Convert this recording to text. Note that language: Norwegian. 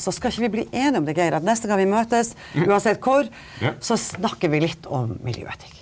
så skal ikke vi bli enige om det Geir at neste kan vi møtes uansett hvor så snakker vi litt om miljøetikk.